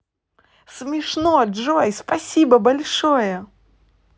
смешно джой спасибо большое